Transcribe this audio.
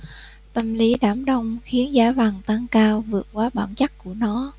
tâm lý đám đông khiến giá vàng tăng cao vượt quá bản chất của nó